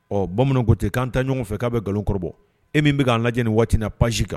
Ɔ bamananw kotɛ k'an ta ɲɔgɔn fɛ k'a bɛ nkalon kɔrɔ bɔ e min bɛ k'an lajɛani waati na pasi kan